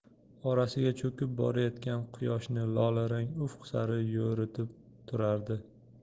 orasiga cho'kib borayotgan quyoshni lolarang ufq sari yo'ritib turardi